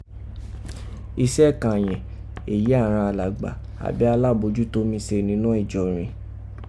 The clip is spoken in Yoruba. Ise kan yẹ̀n eyi àghan alagba, abi alabojuto mi se ninọ́ ijo rin.